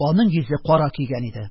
Аның йөзе кара көйгән иде.